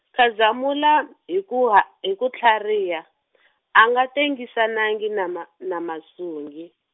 Khazamula, hi ku h- hi ku tlhariha , a nga tengisanangi na Ma- na Masungi.